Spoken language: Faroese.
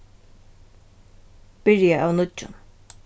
byrja av nýggjum